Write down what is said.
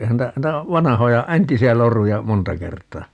eihän niitä niitä vanhoja entisiä loruja monta kertaa